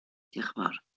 Diolch yn fawr.